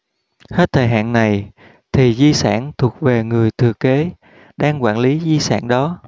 hết thời hạn này thì di sản thuộc về người thừa kế đang quản lý di sản đó